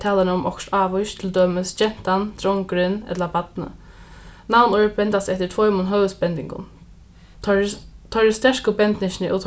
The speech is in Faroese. talan er um okkurt ávíst til dømis gentan drongurin ella barnið navnorð bendast eftir tveimum høvuðsbendingum teirri sterku bendingini og